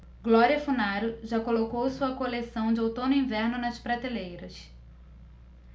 glória funaro já colocou sua coleção de outono-inverno nas prateleiras